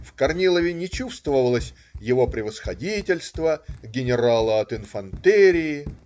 В Корнилове не чувствовалось "Его Превосходительства", "генерала от инфантерии".